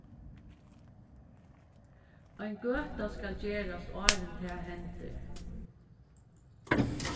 ein gøta skal gerast áðrenn tað hendir